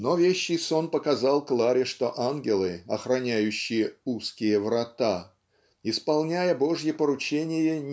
Но вещий сон показал Кларе что ангелы охраняющие "узкие врата" исполняя Божье поручение